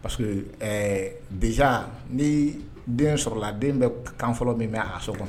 Parce bin ni den sɔrɔla den bɛ kanfɔlɔ min bɛ a so kɔnɔ